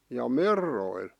ja merroilla